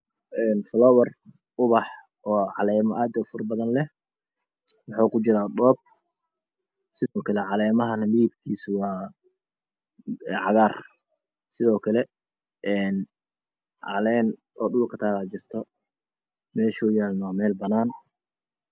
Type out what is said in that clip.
Salawar ubax oocalemo aad ufarabadan leh waxa uu ku jiraabaab sidokale caleemahanah midabkiso waa cagaar sidokale een caleen dhulkataloh aya jirtoh meesha ooyalo waa meel banaan ah